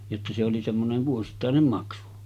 jotta se oli semmoinen vuosittainen maksu